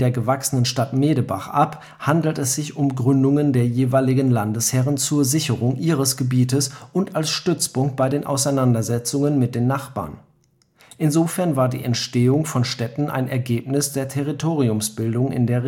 gewachsenen Stadt Medebach ab, handelte es sich um Gründungen der jeweiligen Landesherrn zur Sicherung ihres Gebiets und als Stützpunkt bei den Auseinandersetzungen mit den Nachbarn. Insofern war die Entstehung von Städten ein Ergebnis der Territoriumsbildung in der